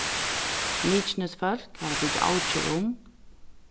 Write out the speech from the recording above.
mykinesfólk hava tikið avgerð um